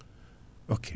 ok